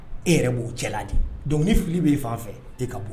E cɛla bɛ e fan fɛ ka